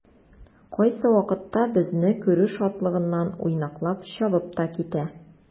Кайсы вакытта безне күрү шатлыгыннан уйнаклап чабып та китә.